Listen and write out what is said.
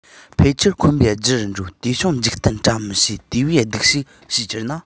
ཕལ ཆེར འཁོན པའི རྒྱུ རུ འགྲོ དེ བྱུང འཇིག རྟེན བཀྲ མི ཤིས དེ བས སྡུམ ཞིག བྱས གྱུར ན